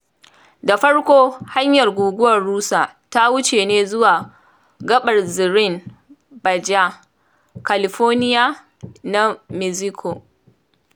Da farko, hanyar Guguwar Rosa ta wuce ne zuwa gaɓar zirin Baja California na Mexico.